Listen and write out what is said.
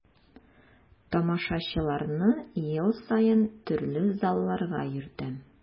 Тамашачыларны ел саен төрле залларга йөртәм.